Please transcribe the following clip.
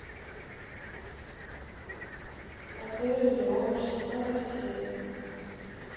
отель элеон шестая серия